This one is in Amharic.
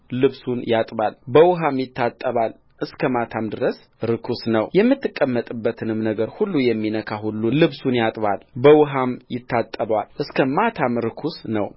ልብሱን ያጥባል በውኃም ይታጠባል እስከ ማታም ድረስ ርኩስ ነውየምትቀመጥበትንም ነገር ሁሉ የሚነካ ሁሉ ልብሱን ያጥባል በውኃም ይታጠባል እስከ ማታም ርኩስ ነው